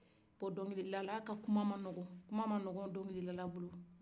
donkilidala ka kuma ma nɔgɔ